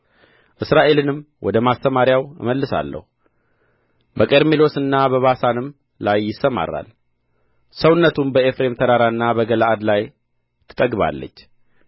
እስራኤልንም ወደ ማሰማርያው እመልሳለሁ በቀርሜሎስና በባሳንም ላይ ይሰማራል ሰውነቱም በኤፍሬም ተራራና በገለዓድ ላይ ትጠግባለች